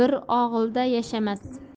bir og'ilda yashamas